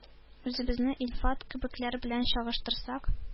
Үзебезне Илфат кебекләр белән чагыштырсак,